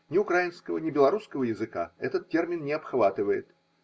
ни украинского, ни белорусского языка этот термин не обхватывает.